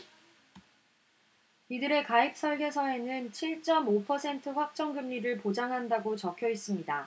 이들의 가입설계서에는 칠 쩜 오 퍼센트 확정 금리를 보장한다고 적혀있습니다